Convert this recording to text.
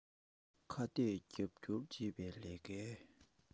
ཁ གཏད རྒྱབ སྐྱོར བྱེད པའི ལས ཀའི